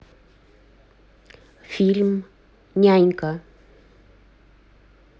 фильм нянька